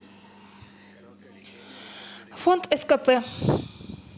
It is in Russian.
фонд скп